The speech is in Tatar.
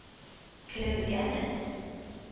Керергәме